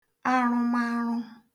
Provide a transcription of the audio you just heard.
arụmarụ